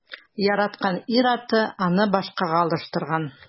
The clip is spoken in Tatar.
Яраткан ир-аты аны башкага алыштырган.